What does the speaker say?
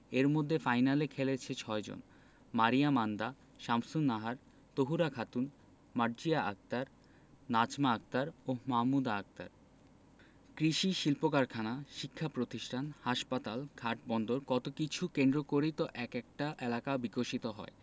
এর মধ্যে ফাইনালে খেলেছে ৬ জন মারিয়া মান্দা শামসুন্নাহার তহুরা খাতুন মার্জিয়া আক্তার নাজমা আক্তার ও মাহমুদা আক্তার কৃষি শিল্পকারখানা শিক্ষাপ্রতিষ্ঠান হাসপাতাল ঘাটবন্দর কত কিছু কেন্দ্র করেই তো এক একটা এলাকা বিকশিত হয়